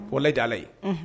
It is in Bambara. K'o lajɛ Ala ye, unhun